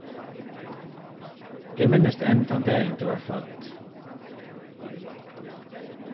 eg minnist enn tann dagin tú vart fødd